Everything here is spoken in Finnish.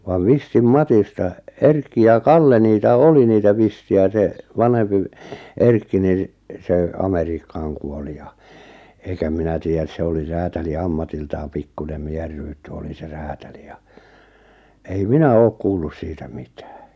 vai Vistin Matista Erkki ja Kalle niitä oli niitä Vistejä se vanhempi - Erkki niin se Amerikkaan kuoli ja eikä minä tiedä se oli räätäli ammatiltaan pikkuinen miehen rytty oli se räätäli ja ei minä ole kuullut siitä mitään